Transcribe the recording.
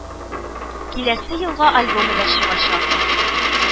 Киләсе елга альбомы да чыгачак